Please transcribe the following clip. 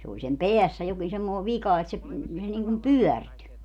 se oli sen päässä jokin semmoinen vika että se se niin kuin pyörtyi